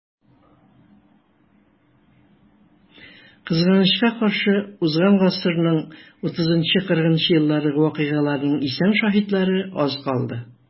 Кызганычка каршы, узган гасырның 30-40 еллары вакыйгаларының исән шаһитлары аз калды.